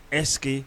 Ɛseke